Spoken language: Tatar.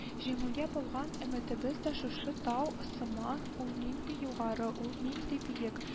Җиңүгә булган өметебез дә шушы тау сыман, ул нинди югары, ул нинди биек